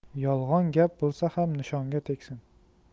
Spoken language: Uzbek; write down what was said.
yolg'on gap bo'lsa ham nishonga tegsin